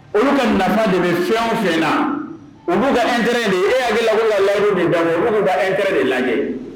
Olu ka nafa de bɛ fɛnw fɛ la olu ka et de e hakilila la layiuru de daminɛ olu bɛ ete de lajɛ